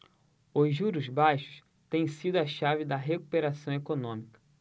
os juros baixos têm sido a chave da recuperação econômica